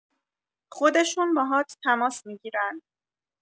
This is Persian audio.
خودشون باهات تماس می‌گیرن